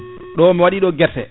ɗo mi waɗi ɗo guerte